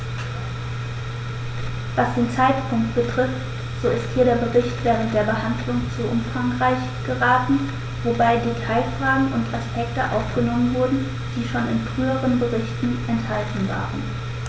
Was den Zeitpunkt betrifft, so ist hier der Bericht während der Behandlung zu umfangreich geraten, wobei Detailfragen und Aspekte aufgenommen wurden, die schon in früheren Berichten enthalten waren.